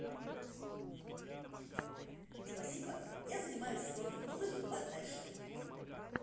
спасибо я занимаюсь спортом на лыжах подальше